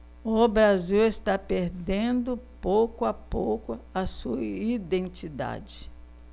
o brasil está perdendo pouco a pouco a sua identidade